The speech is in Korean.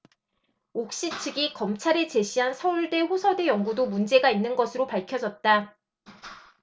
옥시 측이 검찰에 제시한 서울대 호서대 연구도 문제가 있는 것으로 밝혀졌다